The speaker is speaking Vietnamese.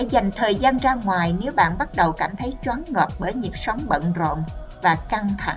dành thời gian ra ngoài nếu bạn bắt đầu cảm thấy choáng ngợp bởi nhịp sống bận rộn